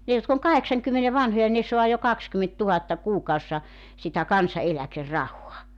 ne jotka on kahdeksankymmenen vanhoja ne saa jo kaksikymmentätuhatta kuukaudessa sitä kansaneläkerahaa